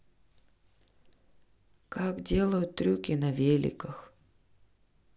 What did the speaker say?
как делают трюки на великах